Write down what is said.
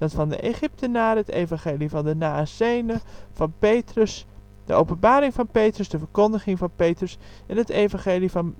van de Egyptenaren, Evangelie van de Naäsenen, Evangelie van Petrus, Openbaring van Petrus, Verkondiging van Petrus, Evangelie van